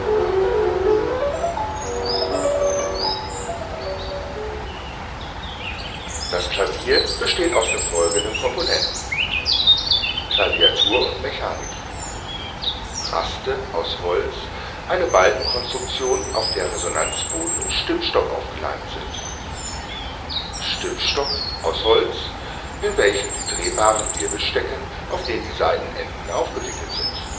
Das Klavier besteht aus den folgenden Komponenten: Klaviatur und Mechanik Raste (aus Holz), eine Balkenkonstruktion, auf der Resonanzboden und Stimmstock aufgeleimt sind Stimmstock (aus Holz), in welchem die drehbaren Wirbel stecken, auf denen die Saitenenden aufgewickelt sind